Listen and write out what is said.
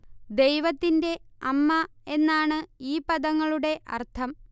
ദൈവത്തിന്റെ അമ്മ എന്നാണ് ഈ പദങ്ങളുടെ അർത്ഥം